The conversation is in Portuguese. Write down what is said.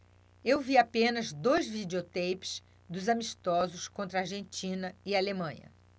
eu vi apenas dois videoteipes dos amistosos contra argentina e alemanha